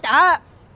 trả